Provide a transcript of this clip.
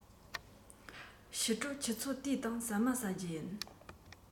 ཕྱི དྲོར ཆུ ཚོད དུའི སྟེང ཟ མ ཟ རྒྱུ ཡིན